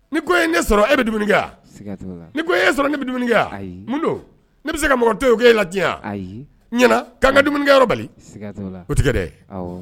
Ni e bɛya ni sɔrɔ ne bɛ dumuniya don ne bɛ se ka mɔgɔ to ko e la tiɲɛya'an ka dumuni bali o tigɛ dɛ